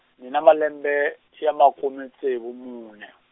ni na malembe ya makume ntsevu mune.